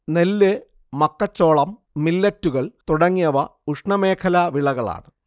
നെല്ല് മക്കച്ചോളം മില്ലെറ്റുകൾ തുടങ്ങിയവ ഉഷ്ണമേഖലാ വിളകളാണ്